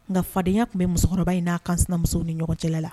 Nka fadenyaya tun bɛ musokɔrɔba in n'a kan sinamuso ni ɲɔgɔn cɛla la